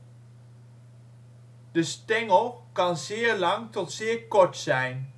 stengel kan zeer lang tot zeer kort zijn